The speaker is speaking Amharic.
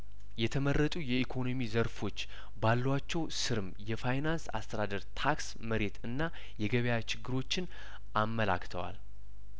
የተመረጡ የኢኮኖሚ ዘርፎች ባሏቸው ስርም የፋይናንስ አስተዳደር ታክስ መሬት እና የገበያ ችግሮችን አመላክተዋል